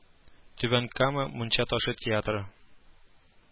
Түбән Кама Мунча ташы театры